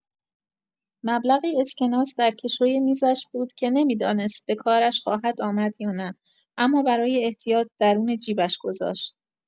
مبلغی اسکناس در کشوی میزش بود که نمی‌دانست به کارش خواهد آمد یا نه، اما برای احتیاط درون جیبش گذاشت.